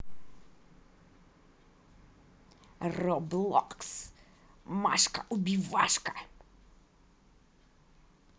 roblox машка убивашка